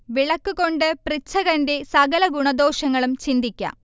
വിളക്കു കൊണ്ട് പൃച്ഛകന്റെ സകല ഗുണദോഷങ്ങളും ചിന്തിക്കാം